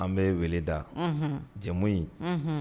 An bɛ weele da jɛmu ye